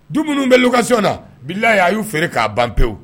Dumuni minnu bɛ lukasiy na bila a y'u feere k'a ban pewu